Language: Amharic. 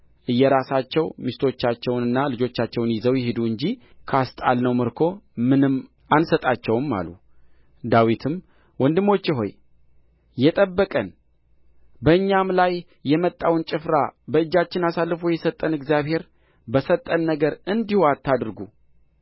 እየራሳቸው ሚስቶቻቸውንና ልጆቻቸውን ይዘው ይሂዱ እንጂ ካስጣልነው ምርኮ ምንም አንሰጣቸውም አሉ ዳዊትም ወንድሞቼ ሆይ የጠበቀን በእኛም ላይ የመጣውን ጭፍራ በእጃችን አሳልፎ የሰጠን እግዚአብሔር በሰጠን ነገር እንዲህ አታድርጉ